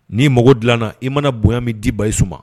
N'i mago dilan i mana bonya min dibayi suma ma